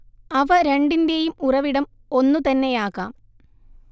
അവ രണ്ടിന്റേയും ഉറവിടം ഒന്നുതന്നെയാകാം